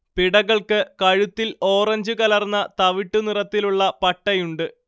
പിടകൾക്ക് കഴുത്തിൽ ഓറഞ്ചു കലർന്ന തവിട്ടുനിറത്തിലുള്ള പട്ടയുണ്ട്